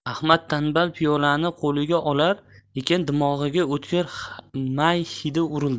ahmad tanbal piyolani qo'liga olar ekan dimog'iga o'tkir may hidi urildi